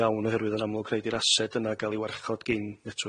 iawn oherwydd yn amlwg rhaid i'r ased yna ga'l ei warchod gin